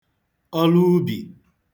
ọlụubì